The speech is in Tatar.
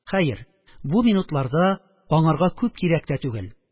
Хәер, бу минутларда аңарга күп кирәк тә түгел